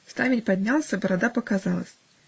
Ставень поднялся, борода показалась.